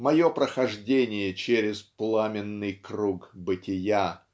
мое прохождение через "пламенный круг" бытия